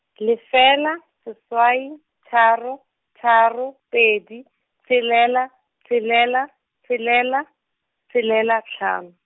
lefela, seswai, tharo, tharo, pedi , tshelela, tshelela, tshelela, tshelela hlano.